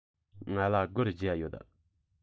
ང ལ སྒོར བརྒྱ ཡོད